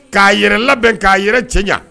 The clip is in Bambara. K'a yɛrɛ labɛn k'a yɛrɛ tiɲɛ ɲɛ